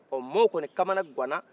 ɔ mɔɔw kɔni kamana ganna